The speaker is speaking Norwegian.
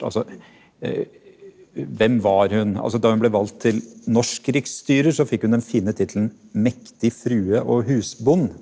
altså hvem var hun altså da hun ble valgt til norsk riksstyrer så fikk hun den fine tittelen mektig frue og husbond.